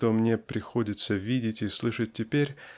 что мне приходится видеть и слышать теперь